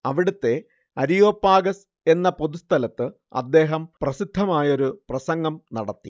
അവിടത്തെ അരിയോപാഗസ് എന്ന പൊതുസ്ഥലത്ത് അദ്ദേഹം പ്രസിദ്ധമായൊരു പ്രസംഗം നടത്തി